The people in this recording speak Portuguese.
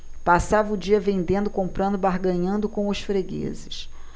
passava o dia vendendo comprando barganhando com os fregueses